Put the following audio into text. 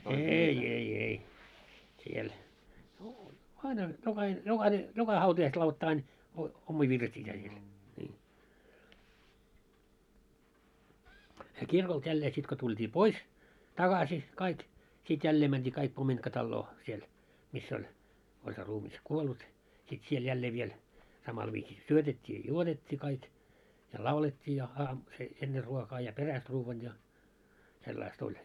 ei ei ei siellä no aina jokainen jokainen joka hautajaiset lauloivat aina - omia virsiä siellä niin se kirkolta jälleen sitten kun tultiin pois takaisin kaikki sitten jälleen mentiin kaikki pomintkataloon siellä missä oli oli se ruumis kuollut sitten siellä jälleen vielä samalla viisi syötettiin ja juotettiin kaikki ja laulettiin ja - se ennen ruokaa ja perästä ruoan ja sellaista oli